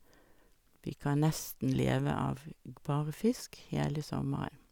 Vi kan nesten leve av g bare fisk hele sommeren.